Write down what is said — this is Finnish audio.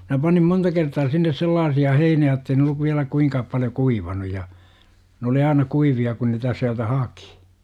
minä panin monta kertaa sinne sellaisia heiniä jotta ei ne ollut vielä kuinka paljon kuivaneet ja ne oli aina kuivia kun niitä sieltä haki